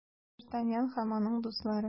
Д’Артаньян һәм аның дуслары.